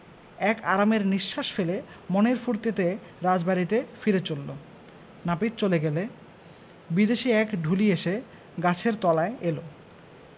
এক আরামের নিঃশ্বাস ফেলে মনের ফুর্তিতে রাজবাড়িতে ফিরে চলল নাপিত চলে গেলে বিদেশী এক ঢুলি এসে সেই গাছের তলায় এল